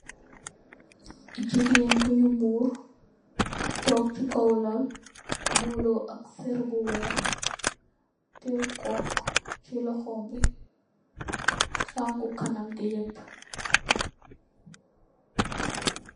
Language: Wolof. Gigen bu nu morr tot si kawlal muro ak serr bu wey tey cok si lohum bi sangu kanambi yep.